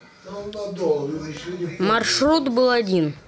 маршрут был один